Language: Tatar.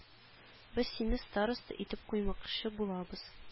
Без сине староста итеп куймакчы булабыз